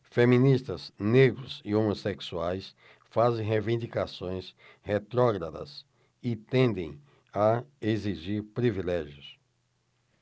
feministas negros e homossexuais fazem reivindicações retrógradas e tendem a exigir privilégios